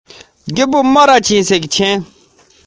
བརྒྱུགས ནས བྱིའུ གསོད ཅི ཐུབ བྱེད